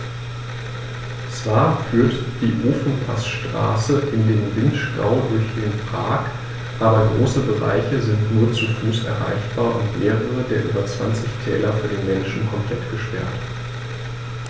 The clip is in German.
Zwar führt die Ofenpassstraße in den Vinschgau durch den Park, aber große Bereiche sind nur zu Fuß erreichbar und mehrere der über 20 Täler für den Menschen komplett gesperrt.